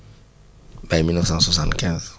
Baye 1975